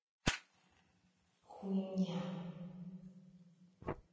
хуйня